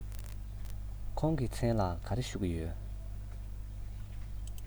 ཁོང གི མཚན ལ ག རེ ཞུ གི ཡོད རེད